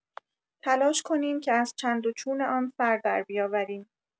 تلاش کنیم که از چند و چون آن سر دربیاوریم.